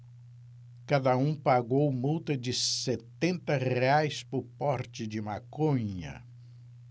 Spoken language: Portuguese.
cada um pagou multa de setenta reais por porte de maconha